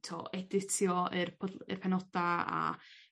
t'o' editio yr pod- y penoda' a